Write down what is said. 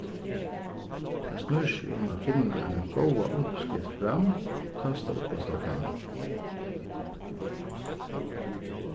tað snýr seg um at finna eina góða uppskrift fram og kasta upp á stokkarnar